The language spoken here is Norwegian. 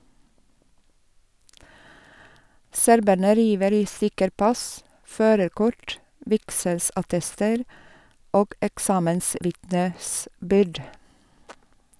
Serberne river i stykker pass, førerkort, vigselsattester og eksamensvitnesbyrd.